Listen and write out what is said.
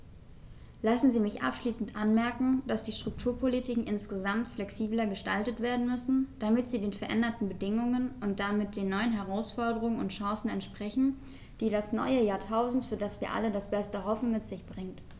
Lassen Sie mich abschließend anmerken, dass die Strukturpolitiken insgesamt flexibler gestaltet werden müssen, damit sie den veränderten Bedingungen und damit den neuen Herausforderungen und Chancen entsprechen, die das neue Jahrtausend, für das wir alle das Beste hoffen, mit sich bringt.